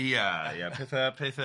Ia, ia petha- petha-...